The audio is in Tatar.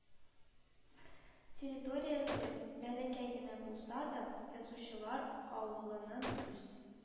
Территориясе бәләкәй генә булса да, язучылар «авылы»ның үз